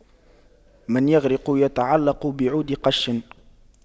من يغرق يتعلق بعود قش